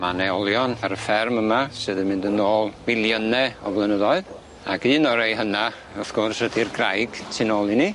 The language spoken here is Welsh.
Ma' 'ne olion ar y fferm yma sydd yn mynd yn ôl miliyne o flynyddoedd ag un o rei hynna wrth gwrs ydi'r graig tu nôl i ni.